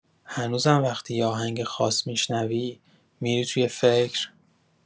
هنوزم وقتی یه آهنگ خاص می‌شنوی، می‌ری توی فکر؟